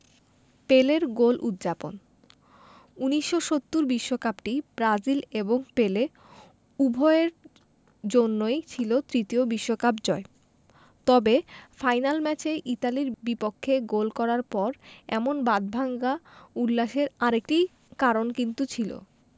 পেলের গোল উদ্ যাপন ১৯৭০ বিশ্বকাপটি ব্রাজিল এবং পেলে উভয়ের জন্যই ছিল তৃতীয় বিশ্বকাপ জয় তবে ফাইনাল ম্যাচে ইতালির বিপক্ষে গোল করার পর এমন বাঁধভাঙা উল্লাসের আরেকটি কারণ কিন্তু ছিল